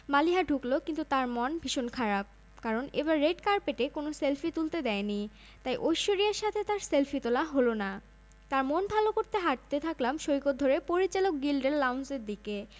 থাকছে সাদা গোলাপ পিওনি ও ফক্সগ্লোভস ফুলের পাশাপাশি ভেন্যু সাজাতে কয়েক ধরনের সুন্দর পাতাও ব্যবহার করা হবে আর বিয়ের পর সেই ফুলগুলো সব দান করে দেওয়া হবে স্থানীয় দাতব্য প্রতিষ্ঠানে